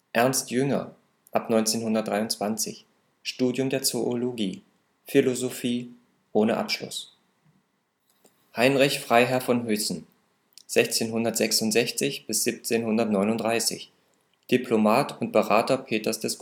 Ernst Jünger, ab 1923, Studium der Zoologie, Philosophie, ohne Abschluss Heinrich Freiherr von Huyssen, 1666 – 1739, Diplomat und Berater Peters des